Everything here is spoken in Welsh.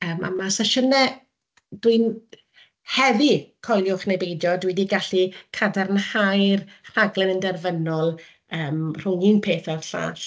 yym a ma' sesiynau dwi'n... heddi coeliwch neu beidio, dwi 'di gallu cadarnhau'r rhaglen yn derfynol yym rhwng un peth a'r llall.